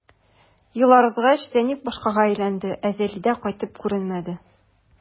Еллар узгач, Зәниф башкага өйләнде, ә Зәлидә кайтып күренмәде.